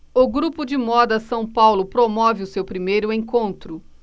o grupo de moda são paulo promove o seu primeiro encontro